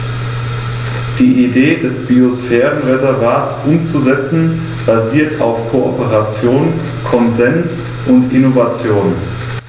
Die Idee des Biosphärenreservates umzusetzen, basiert auf Kooperation, Konsens und Innovation.